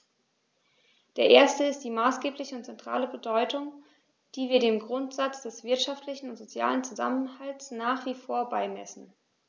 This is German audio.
Der erste ist die maßgebliche und zentrale Bedeutung, die wir dem Grundsatz des wirtschaftlichen und sozialen Zusammenhalts nach wie vor beimessen.